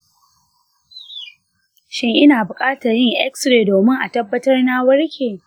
shin ina buƙatar yin x-ray domin a tabbatar na warke?